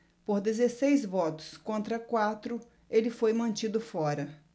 por dezesseis votos contra quatro ele foi mantido fora